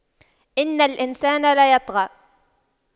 إِنَّ الإِنسَانَ لَيَطغَى